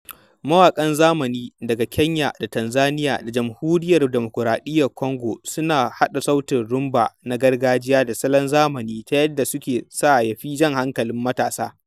Mawaƙan zamani daga Kenya da Tanzania da Jamhuriyar Dimokuraɗiyyar Congo suna haɗa sautin Rhumba na gargajiya da salon zamani, ta yadda suke sa ya fi jan hankalin matasa.